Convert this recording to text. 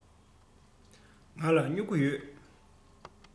ང ལ སྨྱུ གུ ཡོད